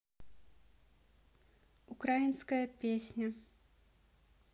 украинская песня